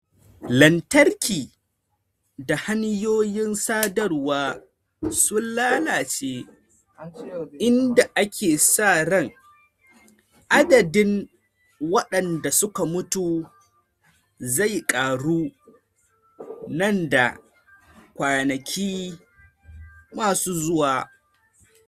Lantarki da hanyoyin sadarwa sun lalace inda ake sa ran adadin waɗanda suka mutu zai karu nan da kwanaki masu zuwa.